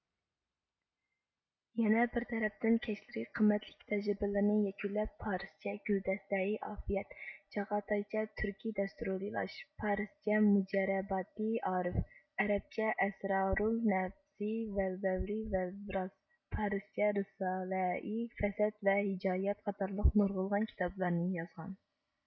يەنە بىرتەرەپتىن كەچلىرى قىممەتلىك تەجرىبىلىرىنى يەكۈنلەپ پارىسچە گۈلدەستەئى ئافىيەت چاغاتايچە تۈركى دەستۇرۇلئىلاج پارىسچە مۇجەررەباتى ئارىف ئەرەپچە ئەسىرارۇلنەبزى ۋەلبەۋلى ۋەلبىراز پارىسچە رىسالەئى فەسەد ۋە ھىجايەت قاتارلىق نۇرغۇنلىغان كىتابلارنى يازغان